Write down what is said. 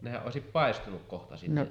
nehän olisi paistunut kohta sinne